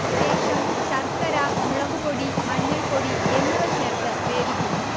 ശേഷം ശർക്കര, മുളകുപൊടി മഞ്ഞൾപ്പൊടി എന്നിവ ചേർത്ത് വേവിക്കുക